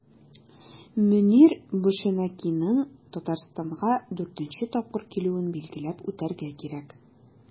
Мөнир Бушенакиның Татарстанга 4 нче тапкыр килүен билгеләп үтәргә кирәк.